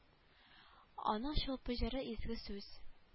Аның чулпы җыры изге сүз